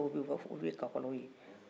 minnu nana barawili fanfɛlaw la